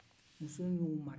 muso y'u mara